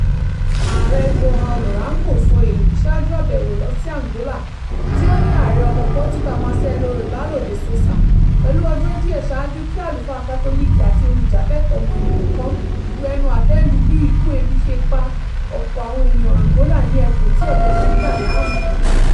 Ààrẹ João Lourenço sọ èyí ṣáájú àbẹ̀wò lọ sí Angola tí ó ní Ààrẹ ọmọ Portugal Marcelo Rebelo de Sousa, pẹ̀lú ọjọ́ díẹ̀ ṣáájú kí àlùfáà Kátólìkì àti olùjàfẹ́tọ̀ọ́ ọmọnìyàn kan bu ẹnu àtẹ́ lu bí ikú ebi ṣe pa ọ̀pọ̀ àwọn èèyàn Angola ní ẹkùn tí ọ̀gbẹlẹ̀ ń dà láàmú.